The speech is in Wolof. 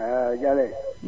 % Jalle